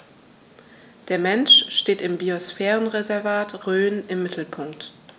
Der Mensch steht im Biosphärenreservat Rhön im Mittelpunkt.